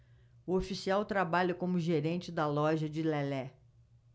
o oficial trabalha como gerente da loja de lelé